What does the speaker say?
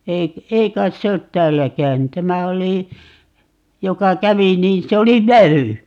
- ei kai se ole täällä käynyt tämä oli joka kävi niin se oli vävy